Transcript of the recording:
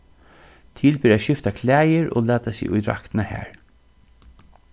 til ber at skifta klæðir og lata seg í draktina har